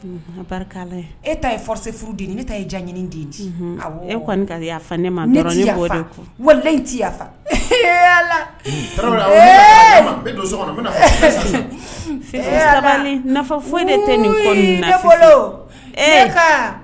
Barika e ta ye fsi furu den ne ta jaɲ den di e kɔni ne tɛ yalala nafa foyi tɛ ni